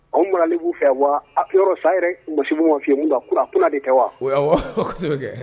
Anw maralen b'u fɛ wa a sa yɛrɛ masi fiye ku kuma de tɛ wa